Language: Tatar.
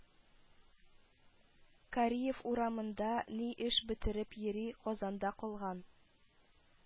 Кариев урамында ни эш бетереп йөри, Казанда калган